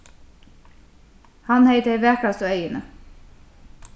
hann hevði tey vakrastu eyguni